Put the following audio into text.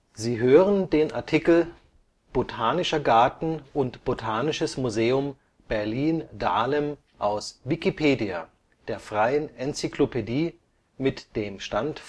Sie hören den Artikel Botanischer Garten und Botanisches Museum Berlin-Dahlem, aus Wikipedia, der freien Enzyklopädie. Mit dem Stand